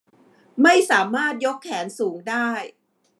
ไม่สามารถยกแขนสูงได้